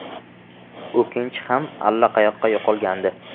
o 'kinchi ham allaqayoqqa yo'qolgandi